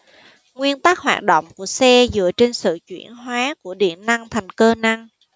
nguyên tắc hoạt động của xe dựa trên sự chuyển hóa của điện năng thành cơ năng